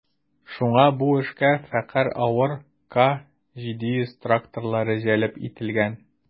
Шуңа бу эшкә фәкать авыр К-700 тракторлары җәлеп ителгән.